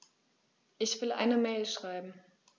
Ich will eine Mail schreiben.